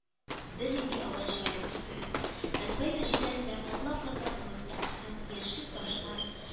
Бернинди агач-фәлөн үсмәгән һәм кайбер җирләрендә катлам-катлам булып аксыл, яшькелт ташлар